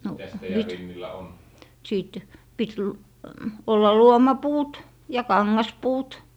no nyt sitten piti - olla luomapuut ja kangaspuut